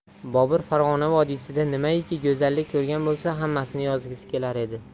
bobur farg'ona vodiysida nimaiki go'zallik ko'rgan bo'lsa hammasini yozgisi kelar edi